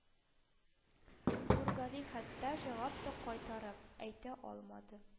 Нургали хәтта җавап та кайтарып әйтә алмады